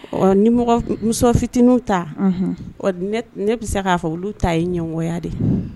Ɔ ni mɔgɔ muso fitininw ta ne bɛ se k'a fɔ olu ta ye ɲɛmɔgɔya de